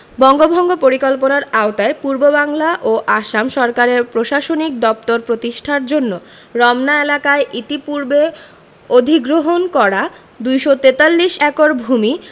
বঙ্গভঙ্গ পরিকল্পনার আওতায় পূর্ববাংলা ও আসাম সরকারের প্রশাসনিক দপ্তর প্রতিষ্ঠার জন্য রমনা এলাকায় ইতিপূর্বে অধিগ্রহণ করা ২৪৩ একর ভূমি